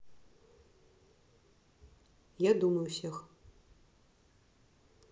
я думаю всех